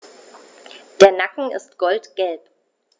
Der Nacken ist goldgelb.